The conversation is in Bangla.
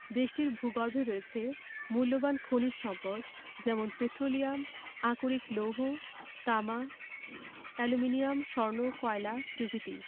দেশটির ভূগর্ভে রয়েছে মুল্যবান খনিজ সম্পদ যেমন পেট্রোলিয়াম আকরিক লৌহ তামা অ্যালুমিনিয়াম স্বর্ণ কয়লা প্রভৃতি